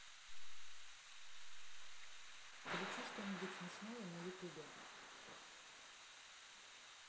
включи что нибудь смешное на ютубе